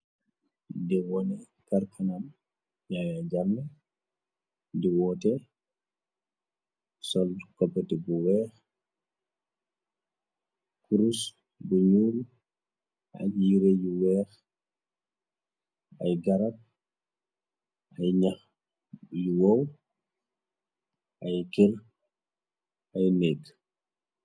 De waneh karkanam yaaya jamme di woote sol kopbete bu weex krus bu nuul ay yire yu weex ay garab ay ñax yu woow ay kerr ay néek.